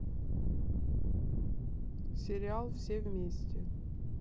сериал все вместе